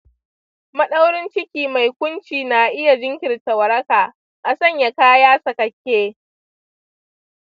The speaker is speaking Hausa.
maɗaurin ciki mai kunci na iya jinkirta waraka; a sanya kaya sakekke.